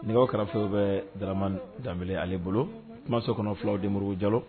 Nɛgɛw karafe bɛ ɛ Daramani Danbele ale bolo kumaso kɔnɔ filaw de Moribo Jalo